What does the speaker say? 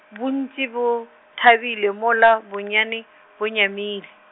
bontši bo, thabile mola bonyane, bo nyamile.